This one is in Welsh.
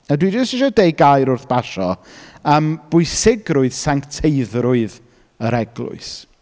A dwi jyst isio deud gair wrth basio am bwysigrwydd sancteiddrwydd yr eglwys.